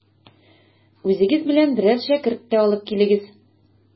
Үзегез белән берәр шәкерт тә алып килегез.